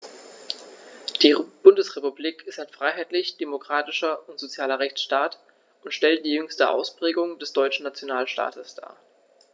Die Bundesrepublik ist ein freiheitlich-demokratischer und sozialer Rechtsstaat und stellt die jüngste Ausprägung des deutschen Nationalstaates dar.